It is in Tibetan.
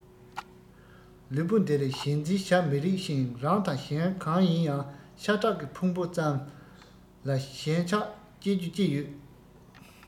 ལུས པོ འདིར ཞེན འཛིན བྱ མི རིགས ཤིང རང དང གཞན གང ཡིན ཡང ཤ ཁྲག གི ཕུང པོ ཙམ ལ ཞེན ཆགས སྐྱེ རྒྱུ ཅི ཡོད